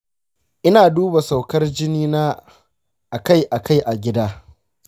ina duba sukar jini na akai-akai a gida.